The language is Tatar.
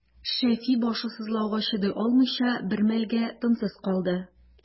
Шәфи, башы сызлауга чыдый алмыйча, бер мәлгә тынсыз калды.